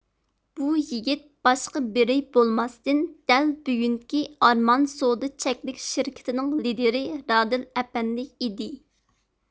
بۇ يىگىت باشقا بىرى بولماستىن دەل بۈگۈنكى ئارمان سودا چەكلىك شىركىتىنىڭ لىدىرى رادىل ئەپەندى ئىدى